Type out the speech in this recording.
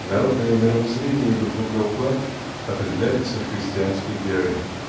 Народное мировоззрение и духовный уклад определяется христианской верой.